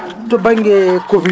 to banggue COVID